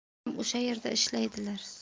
akam o'sha yerda ishlaydilar